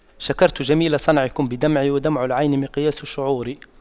شكرت جميل صنعكم بدمعي ودمع العين مقياس الشعور